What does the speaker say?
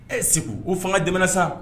Ee Seku o fanga dɛmɛna sa